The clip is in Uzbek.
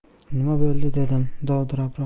nima bo'ldi dedim dovdirabroq